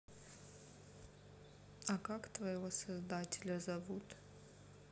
а как твоего создателя зовут